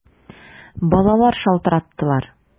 Балалар шалтыраттылар!